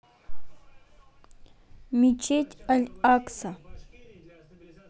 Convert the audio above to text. мечеть аль акса